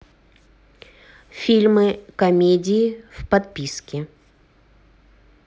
фильмы комедии в подписке